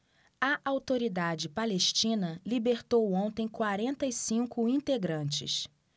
a autoridade palestina libertou ontem quarenta e cinco integrantes